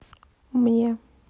мне